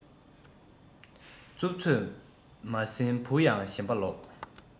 རྩུབ ཚོད མ ཟིན བུ ཡང ཞེན པ ལོག